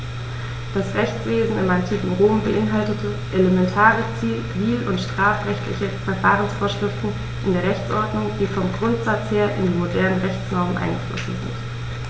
Das Rechtswesen im antiken Rom beinhaltete elementare zivil- und strafrechtliche Verfahrensvorschriften in der Rechtsordnung, die vom Grundsatz her in die modernen Rechtsnormen eingeflossen sind.